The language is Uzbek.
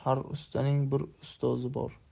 har ustaning bir ustozi bor